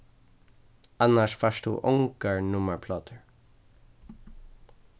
annars fært tú ongar nummarplátur